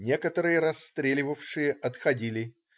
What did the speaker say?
Некоторые расстреливавшие отходили.